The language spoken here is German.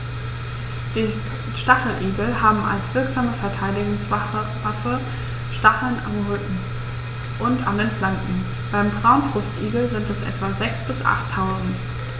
Die Stacheligel haben als wirksame Verteidigungswaffe Stacheln am Rücken und an den Flanken (beim Braunbrustigel sind es etwa sechs- bis achttausend).